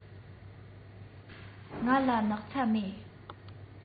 ང ལ སྣག ཚ མེད